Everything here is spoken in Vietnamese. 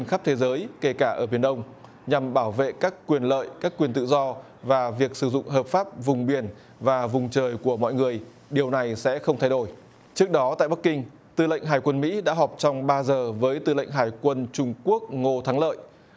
khắp thế giới kể cả ở biển đông nhằm bảo vệ các quyền lợi các quyền tự do và việc sử dụng hợp pháp vùng biển và vùng trời của mọi người điều này sẽ không thay đổi trước đó tại bắc kinh tư lệnh hải quân mỹ đã họp trong ba giờ với tư lệnh hải quân trung quốc ngô thắng lợi